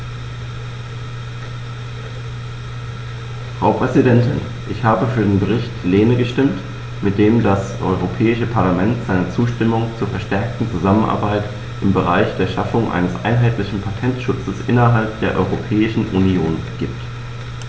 Frau Präsidentin, ich habe für den Bericht Lehne gestimmt, mit dem das Europäische Parlament seine Zustimmung zur verstärkten Zusammenarbeit im Bereich der Schaffung eines einheitlichen Patentschutzes innerhalb der Europäischen Union gibt.